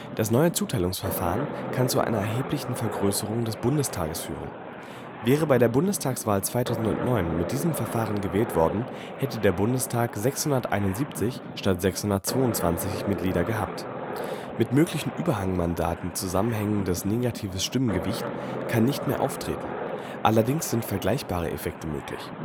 Das neue Zuteilungsverfahren kann zu einer erheblichen Vergrößerung des Bundestages führen. Wäre bei der Bundestagswahl 2009 mit diesem Verfahren gewählt worden, hätte der Bundestag 671 statt 622 Mitglieder gehabt. Mit möglichen Überhangmandaten zusammenhängendes negatives Stimmgewicht kann nicht mehr auftreten, allerdings sind vergleichbare Effekte möglich